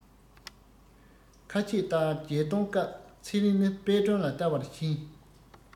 ཁ ཆད ལྟར རྒྱལ སྟོན སྐབས ཚེ རིང ནི དཔལ སྒྲོན ལ བལྟ བར ཕྱིན